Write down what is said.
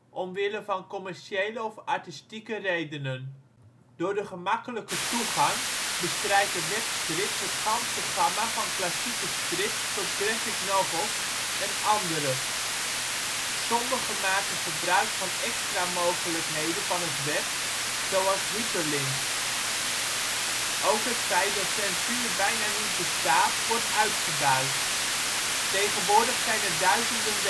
omwille van commerciële of artistieke redenen. Door de gemakkelijke toegang bestrijken webstrips het ganse gamma van klassieke strips tot graphic novels en andere. Sommige maken gebruik van extra mogelijkheden van het web, zoals hyperlinks. Ook het feit dat censuur bijna niet bestaat, wordt uitgebuit. Tegenwoordig zijn er duizenden